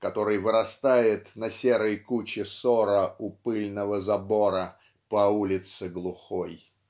который вырастает на серой куче сора у пыльного забора по улице глухой.